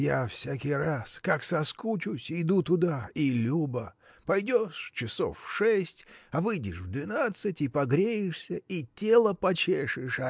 Я всякий раз, как соскучусь, иду туда – и любо пойдешь часов в шесть а выйдешь в двенадцать и погреешься и тело почешешь